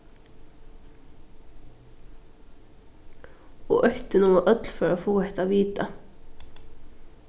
og óttin um at øll fóru at fáa hetta at vita